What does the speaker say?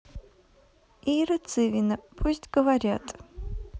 ира цывина пусть говорят